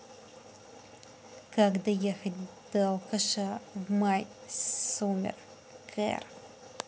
как доехать до алкаша в my summer car